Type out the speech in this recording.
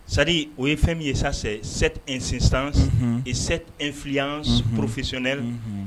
Sa o ye fɛn min ye sa sɛ sɛ sisan sefioro fisisɛ la